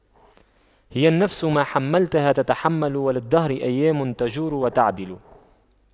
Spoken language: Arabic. هي النفس ما حَمَّلْتَها تتحمل وللدهر أيام تجور وتَعْدِلُ